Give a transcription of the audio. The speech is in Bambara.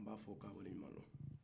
anb'a fo k'a waleɲuman dɔ